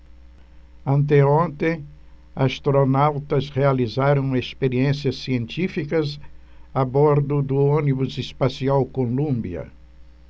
anteontem astronautas realizaram experiências científicas a bordo do ônibus espacial columbia